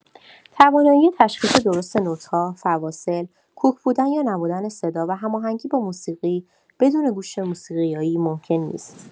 توانایی تشخیص درست نت‌ها، فواصل، کوک بودن یا نبودن صدا و هماهنگی با موسیقی، بدون گوش موسیقایی ممکن نیست.